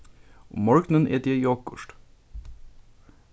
um morgunin eti eg jogurt